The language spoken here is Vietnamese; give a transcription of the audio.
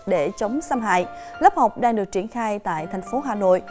để chống xâm hại lớp học đang được triển khai tại thành phố hà nội